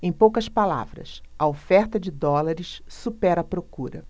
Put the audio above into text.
em poucas palavras a oferta de dólares supera a procura